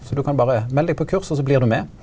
så du kan berre meld deg på kurs også blir du med.